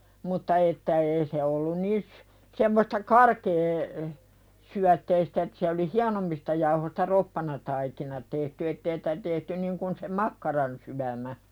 mutta että ei se ollut niin semmoista - karkeasyötteistä että se oli hienommista jauhoista roppanataikina tehty että ei sitä tehty niin kuin se makkaransyömä